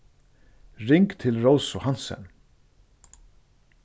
ring til rósu hansen